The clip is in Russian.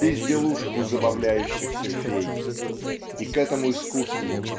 безделушку забавляющихся фей. И к этому искусству